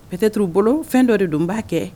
Ptɛ turu bolo fɛn dɔ de don b'a kɛ